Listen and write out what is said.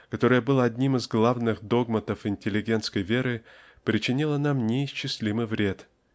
которое было одним из главных догматов интеллигентской веры причинило нам неисчислимый вред.